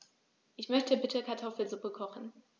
Ich möchte bitte Kartoffelsuppe kochen.